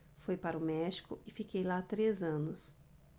fui para o méxico e fiquei lá três anos